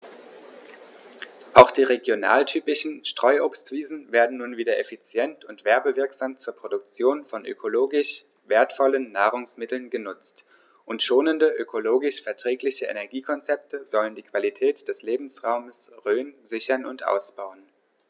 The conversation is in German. Auch die regionaltypischen Streuobstwiesen werden nun wieder effizient und werbewirksam zur Produktion von ökologisch wertvollen Nahrungsmitteln genutzt, und schonende, ökologisch verträgliche Energiekonzepte sollen die Qualität des Lebensraumes Rhön sichern und ausbauen.